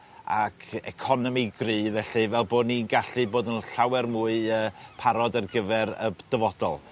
ac e- economi gry felly fel bo' ni'n gallu bod 'n llawer mwy yy parod ar gyfer y b- dyfodol.